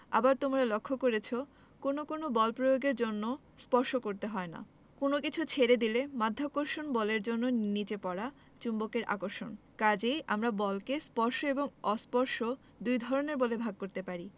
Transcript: আবার তোমরা লক্ষ করেছ কোনো কোনো বল প্রয়োগের জন্য স্পর্শ করতে হয় না কোনো কিছু ছেড়ে দিলে মাধ্যাকর্ষণ বলের জন্য নিচে পড়া চুম্বকের আকর্ষণ কাজেই আমরা বলকে স্পর্শ এবং অস্পর্শ দুই ধরনের বলে ভাগ করতে পারি